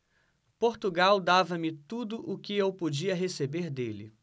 portugal dava-me tudo o que eu podia receber dele